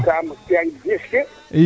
kam